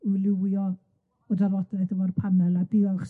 ###i lywio y drafodaeth efo'r panel, a diolch...